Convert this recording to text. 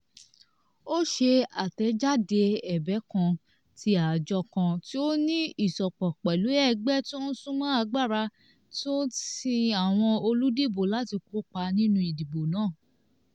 Ó ṣe àtẹ̀jáde ẹ̀bẹ̀ kan tí àjọ kan tí ó ní ìsopọ̀ pẹ̀lú ẹgbẹ́ tí ó súnmọ́ agbára tí ó ń ti àwọn olùdìbò láti kópa nínú ìdìbò náà.